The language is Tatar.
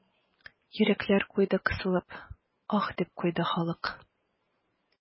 Йөрәкләр куйды кысылып, аһ, дип куйды халык.